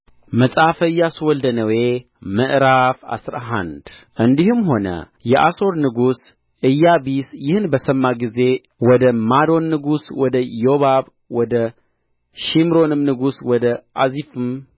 መጽሐፈ ኢያሱ ወልደ ነዌ ምዕራፍ አስራ አንድ እንዲህም ሆነ የአሶር ንጉሥ ኢያቢስ ይህን በሰማ ጊዜ ወደ ማዶን ንጉሥ ወደ ዮባብ ወደ ሺምሮንም ንጉሥ ወደ አዚፍም